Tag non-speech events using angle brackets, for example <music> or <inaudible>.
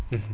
<hesitation> <hesitation>